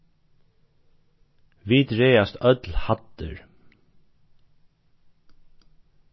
vit ræðast øll hæddir